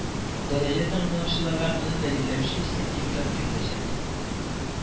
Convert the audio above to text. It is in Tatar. Дәрәҗә тәмамлаучыларга моны дәлилләүче сертификат биреләчәк